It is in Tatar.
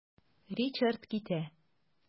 Ричард китә.